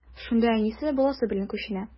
Шунда әнисе, баласы белән күченә.